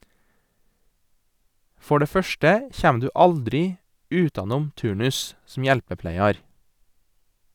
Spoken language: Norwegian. For det første kjem du aldri utanom turnus - som hjelpepleiar.